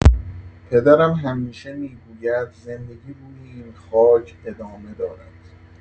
پدرم همیشه می‌گوید زندگی روی این خاک ادامه دارد.